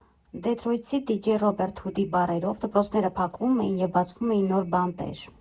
Դեթրոյթցի դիջեյ Ռոբերտ Հուդի բառերով՝ «դպրոցները փակվում էին և բացվում էին նոր բանտեր»։